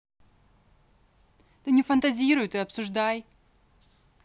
ты не фантазируй ты обсуждай